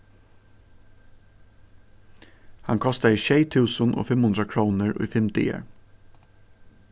hann kostaði sjey túsund og fimm hundrað krónur í fimm dagar